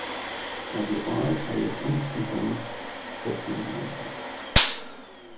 at í ár eigur eingin gongd gjøgnum lamba